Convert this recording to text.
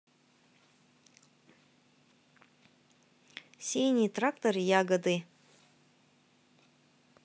синий трактор ягоды